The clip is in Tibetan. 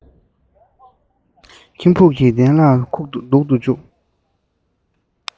ཁྱིམ ཕུག གི གདན ལ འདུག ཏུ བཅུག